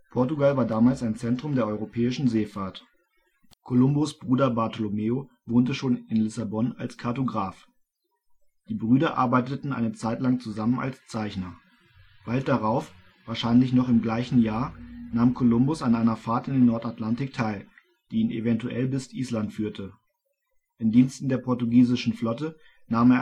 Portugal war damals ein Zentrum der europäischen Seefahrt. Kolumbus ' Bruder Bartolomeo wohnte schon in Lissabon als Kartograf; die Brüder arbeiteten eine Zeit lang zusammen als Zeichner. Bald darauf, wahrscheinlich noch im gleichen Jahr, nahm Kolumbus an einer Fahrt in den Nordatlantik teil, die ihn eventuell bis Island führte. In Diensten der portugiesischen Flotte nahm